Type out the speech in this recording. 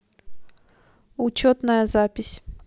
учетная запись